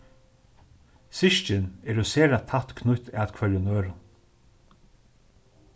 systkin eru sera tætt knýtt at hvørjum øðrum